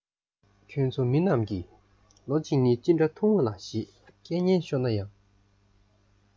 ཁྱོད ཚོ མི རྣམས ཀྱིས ལོ གཅིག ནི ཅི འདྲ ཐུང བ ལ ཞེས སྐད ངན ཤོར ན ཡང